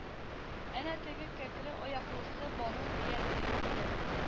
Әнә теге кәкре аяклысы бану диярләр иде